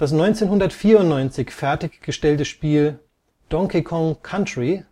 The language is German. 1994 fertiggestellte Spiel Donkey Kong Country